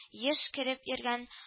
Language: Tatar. Еш кереп йөргән